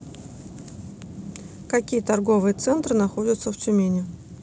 какие торговые центры находятся в тюмени